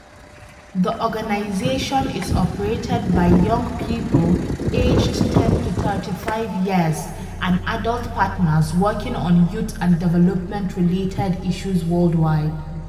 The organisation is operated by young people aged ten to thirty-five years and adult partners working on youth-and development-related issues worldwide.